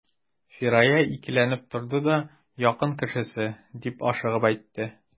Фирая икеләнеп торды да: — Якын кешесе,— дип ашыгып әйтте.